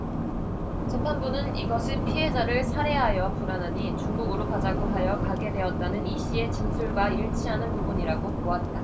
재판부는 이것이 피해자를 살해하여 불안하니 중국으로 가자고 하여 가게 되었다는 이씨의 진술과 일치하는 부분이라고 보았다